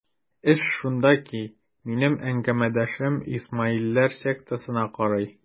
Эш шунда ки, минем әңгәмәдәшем исмаилләр сектасына карый.